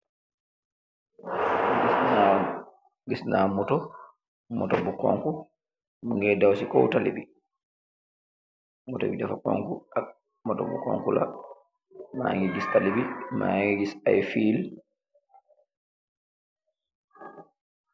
Gis na moto, moto bu xonxu la, mugeh daw ci kaw tali bi, mageh gis talli bi , mageh gis ay fiil.